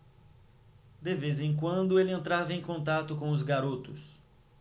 de vez em quando ele entrava em contato com os garotos